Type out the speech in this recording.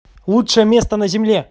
лучшее место на земле